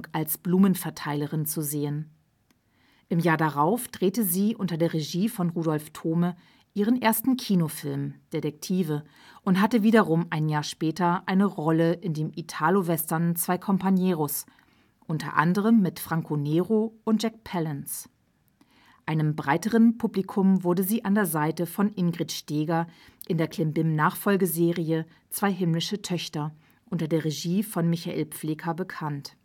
als Blumenverteilerin zu sehen. Im Jahr darauf drehte sie unter der Regie von Rudolf Thome ihren ersten Kinofilm Detektive und hatte wiederum ein Jahr später eine Rolle in dem Italowestern Zwei Companeros, unter anderem mit Franco Nero und Jack Palance. Einem breiteren Publikum wurde sie an der Seite von Ingrid Steeger in der Klimbim-Nachfolgeserie Zwei himmlische Töchter unter der Regie von Michael Pfleghar bekannt